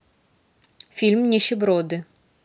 фильм нищеброды